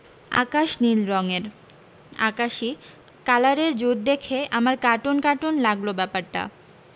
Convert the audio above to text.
আকাশ নিল রঙ্গের আকাশই কালারের যুত দেখে আমার কাটুন কাটুন লাগলো ব্যাপারটা